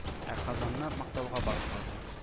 Ә казанны мактауга багышлады